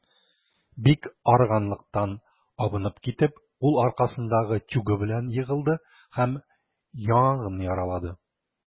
Бик арыганлыктан абынып китеп, ул аркасындагы тюгы белән егылды һәм яңагын яралады.